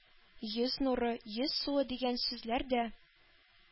«йөз нуры, «йөз суы» дигән сүзләр дә